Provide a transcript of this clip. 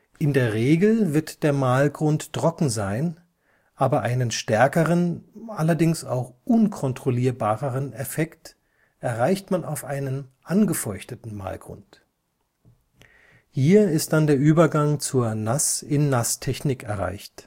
In der Regel wird der Malgrund trocken sein, aber einen stärkeren – allerdings auch unkontrollierbareren – Effekt erreicht man auf einem angefeuchteten Malgrund. Hier ist dann der Übergang zur Nass-in-Nass-Technik erreicht